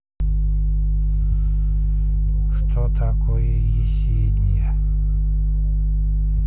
что такое есения